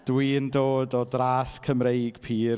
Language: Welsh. Dwi'n dod o dras Cymreig pur.